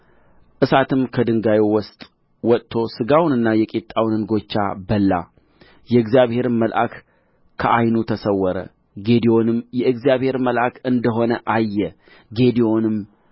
እሳትም ከድንጋዩ ውስጥ ወጥቶ ሥጋውንና የቂጣውን እንጎቻ በላ የእግዚአብሔርም መልአክ ከዓይኑ ተሰወረ ጌዴዎንም የእግዚአብሔር መልአክ እንደ ሆነ አየ ጌዴዎንም